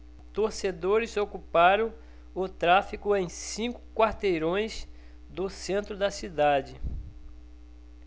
torcedores ocuparam o tráfego em cinco quarteirões do centro da cidade